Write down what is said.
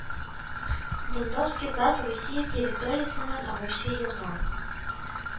Дындовский Таз Русия территориясеннән агучы елга